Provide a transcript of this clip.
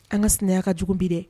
An ka sɛnɛ ka jugu bi dɛ